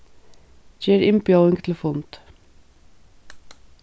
ger innbjóðing til fund